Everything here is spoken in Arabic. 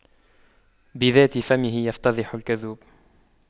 بذات فمه يفتضح الكذوب